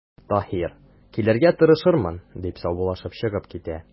Таһир:– Килергә тырышырмын,– дип, саубуллашып чыгып китә.